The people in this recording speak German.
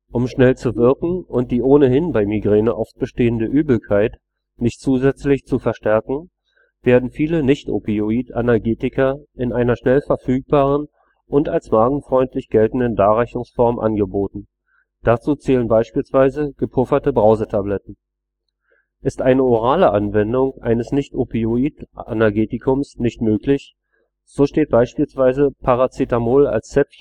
Um schnell zu wirken und die ohnehin bei Migräne oft bestehende Übelkeit nicht zusätzlich zu verstärken, werden viele Nichtopioid-Analgetika in einer schnell verfügbaren und als magenfreundlich geltenden Darreichungsform angeboten. Dazu zählen beispielsweise gepufferte Brausetabletten. Ist eine orale Anwendung eines Nichtopioid-Analgetikums nicht möglich, so steht beispielsweise Paracetamol als Zäpfchen